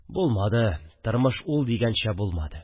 Булмады, тормыш ул дигәнчә булмады